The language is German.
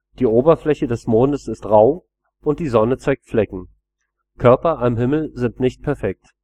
Die Oberfläche des Mondes ist rau und die Sonne zeigt Flecken: Körper am Himmel sind nicht perfekt